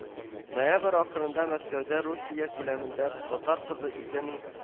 Ноябрь ахырында Мәскәүдә Русия күләмендә "Татар кызы- ике мең